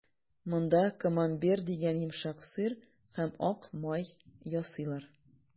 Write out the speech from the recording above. Монда «Камамбер» дигән йомшак сыр һәм ак май ясыйлар.